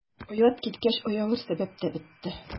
Оят киткәч, оялыр сәбәп тә бетте.